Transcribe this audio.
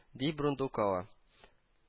Ди брундукова